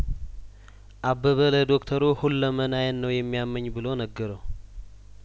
አበበ ለዶክተሩ ሁለመናዬን ነው የሚያመኝ ብሎ ነገረው